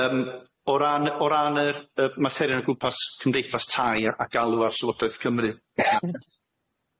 Yym, o ran o ran yr yy materion o gwmpas cymdeithas tai a- ac alw ar llywodraeth Cymru.